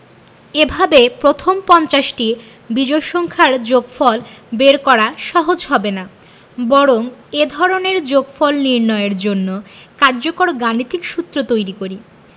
এভাবে প্রথম পঞ্চাশটি বিজোড় সংখ্যার যোগফল বের করা সহজ হবে না বরং এ ধরনের যোগফল নির্ণয়ের জন্য কার্যকর গাণিতিক সূত্র তৈরি করি